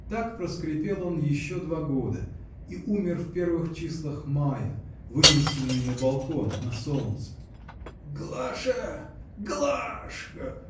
Так проскрипел он еще два года и умер в первых числах мая, вынесенный на балкон, на солнце. "Глаша, Глашка!